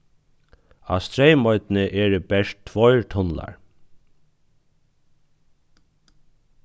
á streymoynni eru bert tveir tunlar